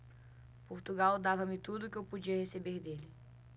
portugal dava-me tudo o que eu podia receber dele